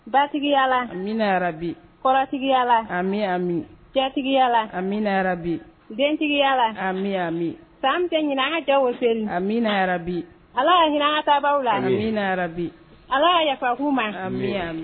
Batigiyala minra bi kɔrɔtigiyala amiaami jatigiyala amina bi dentigiyala amimiaami san tɛ ɲininka jase aminayara bi ala ɲɛnatabaa la aminarabi ala yafako ma amiyan